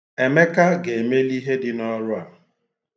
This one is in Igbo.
Emeka ga-emeli ihe dị n'ọru a.